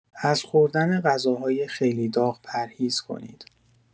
از خوردن غذاهای خیلی داغ پرهیز کنید.